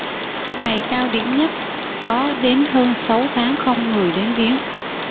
ngày cao điểm nhất có đến hơn sáu tháng không người đến viếng